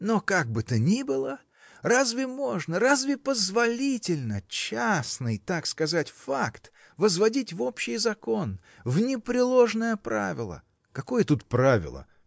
-- Но как бы то ни было, разве можно, разве позволительно -- частный, так сказать, факт возводить в общий закон, в непреложное правило? -- Какое тут правило?